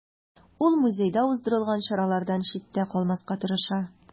Ул музейда уздырылган чаралардан читтә калмаска тырыша.